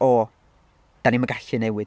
O, 'da ni'm yn gallu newid.